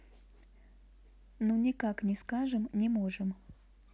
ну никак не скажем не можем